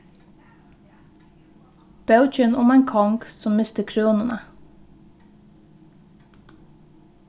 bókin um ein kong sum misti krúnuna